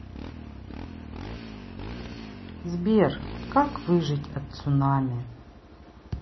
сбер как выжить от цунами